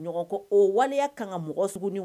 Ɲɔgɔn ko waleya kan ka mɔgɔ sugu ɲɔgɔn